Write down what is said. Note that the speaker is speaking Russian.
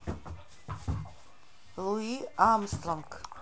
луи армстронг